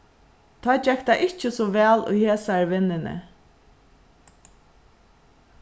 tá gekk tað ikki so væl í hesari vinnuni